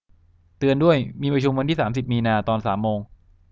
เตือนด้วยมีประชุมวันที่สามสิบมีนาตอนสามโมง